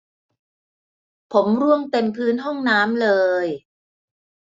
ผมร่วงเต็มพื้นห้องน้ำเลย